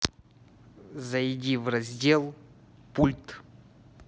зайди в раздел пульт